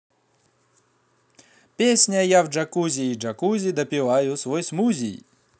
песня я в джакузи и джакузи допиваю свой смузи